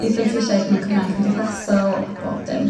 i brentisiaid mewn cyfryngau cymdeithasol a bob dim.